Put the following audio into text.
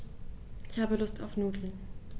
Ich habe Lust auf Nudeln.